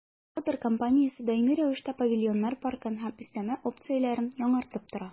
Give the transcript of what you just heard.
«родер» компаниясе даими рәвештә павильоннар паркын һәм өстәмә опцияләрен яңартып тора.